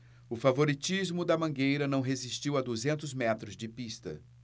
o favoritismo da mangueira não resistiu a duzentos metros de pista